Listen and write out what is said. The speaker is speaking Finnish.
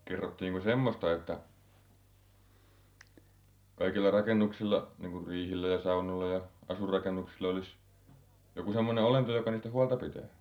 kerrottiinko semmoista että kaikilla rakennuksilla niin kuin riihillä ja saunoilla ja asuinrakennuksilla olisi joku semmoinen olento joka niistä huolta pitää